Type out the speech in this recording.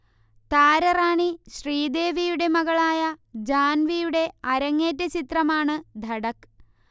താരറാണി ശ്രീദേവിയുടെ മകളായ ജാൻവിയുടെ അരങ്ങേറ്റ ചിത്രമാണ് ധഡക്